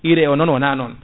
IRE o non wona non